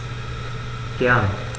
Gern.